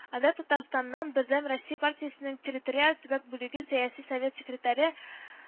Анда татарстаннан “бердәм россия” партиясенең территориаль төбәк бүлеге сәяси совет секретаре